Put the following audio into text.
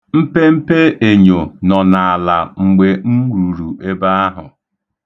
Mpempe enyo nọ n'ala mgbe m ruru ebe ahụ.